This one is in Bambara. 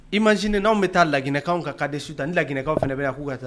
I mansinin anwanw bɛ taa laginɛkanw kan ka di su tan ni laginɛkan fana bɛ yan k'u ka taa